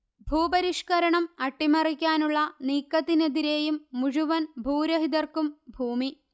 ഭൂപരിഷ്കരണം അട്ടിമറിക്കാനുള്ള നീക്കത്തിനെതിരെയും മുഴുവൻഭൂരഹിതർക്കും ഭൂമി